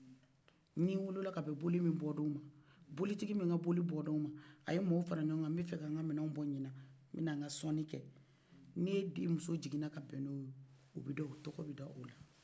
ni wolola ka bɛ boli min bɔ don ma boli tigi min ka boli bɔ don ma a ye mɔgɔw fara ɲɔgɔn kan n bɛ na nka minɛw fara ɲɔgɔn ka n bɛna n ka sɔni kɛ n'i den muso wolona ka bɛn o don ma o tɔgɔ bɛ da ola